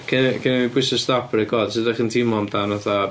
Cyn i fi, cyn i fi pwyso stop ar record sut 'da chi'n teimlo amdan fatha...